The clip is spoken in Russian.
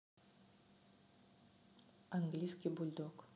английский бульдог